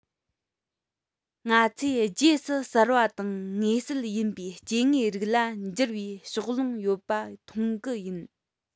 ང ཚོས རྗེས སུ གསར པ དང ངེས གསལ ཡིན པའི སྐྱེ དངོས རིགས ལ འགྱུར པའི ཕྱོགས ལྷུང ཡོད པ མཐོང གི ཡིན